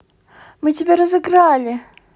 мы тебя разыграли